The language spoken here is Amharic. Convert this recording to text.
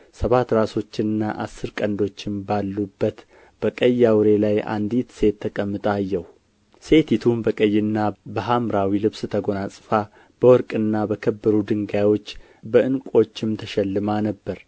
ሰባት ራሶችና አሥር ቀንዶችም ባሉበት በቀይ አውሬ ላይ አንዲት ሴት ተቀምጣ አየሁ ሴቲቱም በቀይና በሐምራዊ ልብስ ተጐናጽፋ በወርቅና በከበሩ ድንጋዮች በዕንቈችም ተሸልማ ነበር